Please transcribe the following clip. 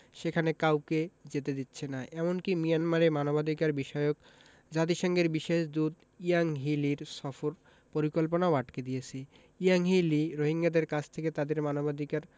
সেখানে কাউকে যেতে দিচ্ছে না এমনকি মিয়ানমারে মানবাধিকারবিষয়ক জাতিসংঘের বিশেষ দূত ইয়াংহি লির সফর পরিকল্পনাও আটকে দিয়েছে ইয়াংহি লি রোহিঙ্গাদের কাছ থেকে তাদের মানবাধিকার